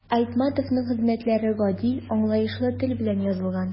Айтматовның хезмәтләре гади, аңлаешлы тел белән язылган.